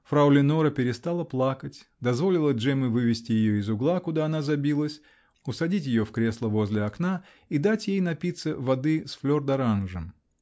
Фрау Леноре перестала плакать, дозволила Джемме вывести ее из угла, куда она забилась, усадить ее в кресло возле окна и дать ей напиться воды с флердоранжем